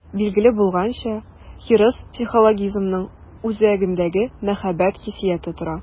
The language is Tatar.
Билгеле булганча, хирыс психологизмының үзәгендә мәхәббәт хиссияте тора.